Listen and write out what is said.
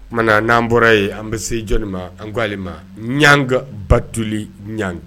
Tuma n'an bɔra ye an bɛ se jɔ ma an ko ale ma ɲanga batuli ɲga